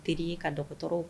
Teri ka dɔgɔ dɔgɔtɔrɔw